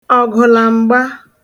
ọ̀gụ̀làm̀gba